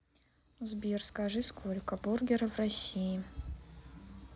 сбер скажи сколько бургера в россии